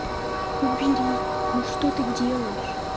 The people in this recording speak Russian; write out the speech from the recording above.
убери ну что ты делаешь